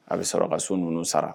A bɛ sɔrɔ ka so ninnuunu sara